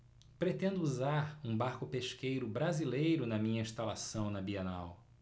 pretendo usar um barco pesqueiro brasileiro na minha instalação na bienal